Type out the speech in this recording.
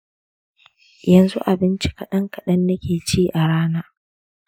yanzu abinci kaɗan-kaɗan nake ci a rana.